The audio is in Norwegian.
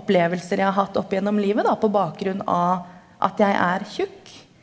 opplevelser jeg har hatt oppigjennom livet da på bakgrunn av at jeg er tjukk.